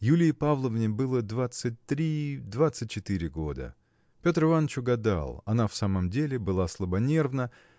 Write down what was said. Юлии Павловне было двадцать три, двадцать четыре года. Петр Иваныч угадал она в самом деле была слабонервна